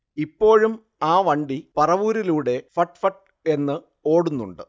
ഇപ്പോഴും ആ വണ്ടി പറവൂരിലൂടെ ഫട് ഫട് എന്ന് ഓടുന്നുണ്ട്